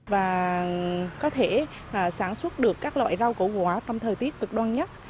và có thể là sản xuất được các loại rau củ quả trong thời tiết cực đoan nhất